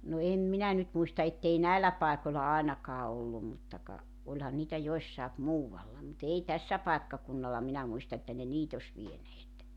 no en minä nyt muista että ei näillä paikolla ainakaan ollut mutta ka olihan niitä jossakin muualla mutta ei tässä paikkakunnalla minä muista että ne niitä olisi vieneet